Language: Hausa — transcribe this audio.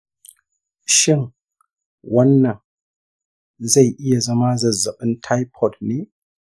shin wannan zai iya zama zazzabin taifoid ne?